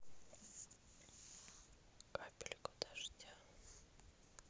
капельку дождя